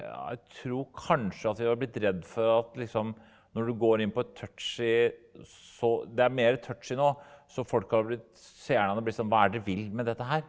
ja jeg tror kanskje at vi har blitt redd for at liksom når du går inn på et touchy så det er mere touchy nå så folk har blitt seerne hadde blitt sånn hva er det dere vil med dette her.